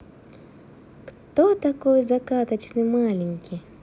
кто такой закаточный маленький